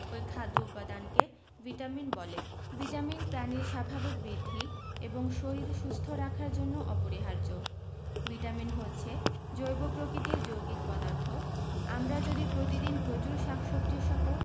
ঐ খাদ্য উপাদানকে ভিটামিন বলে ভিটামিন প্রাণীর স্বাভাবিক বৃদ্ধি এবং শরীর সুস্থ রাখার জন্য অপরিহার্য ভিটামিন হচ্ছে জৈব প্রকৃতির যৌগিক পদার্থ আমরা যদি প্রতিদিন প্রচুর শাকসবজী সহ